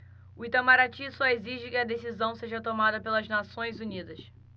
o itamaraty só exige que a decisão seja tomada pelas nações unidas